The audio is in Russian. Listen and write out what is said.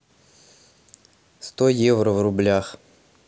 сто евро в рублях